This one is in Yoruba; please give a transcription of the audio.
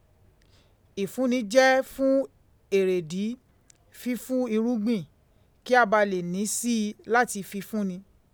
Ìfúnni jẹ́ fún èrèdí fífú irúgbìn, kí a bá lè ní sí i láti fifun ni.